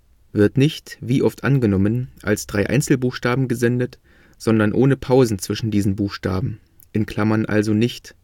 nicht, wie oft angenommen, als drei Einzelbuchstaben gesendet, sondern ohne Pausen zwischen diesen Buchstaben (also nicht